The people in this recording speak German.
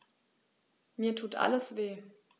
Mir tut alles weh.